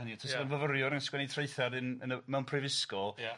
hynny yw tasa fo'n fyfyriwr yn sgwennu traethawd yn yn y mewn prifysgol... Ia...